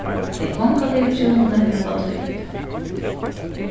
tey kongaligu hjúnini hava tíðindi